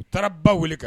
U taara ba weele kɛ